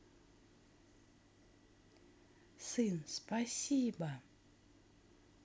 сын спасибо